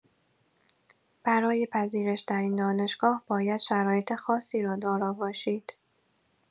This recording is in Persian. برای پذیرش در این دانشگاه باید شرایط خاصی را دارا باشید.